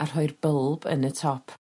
a rhoi'r bylb yn y top.